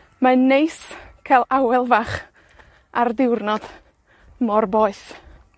Mae'n neis, cael awel fach, ar diwrnod, mor boeth.